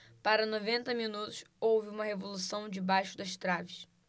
para noventa minutos houve uma revolução debaixo das traves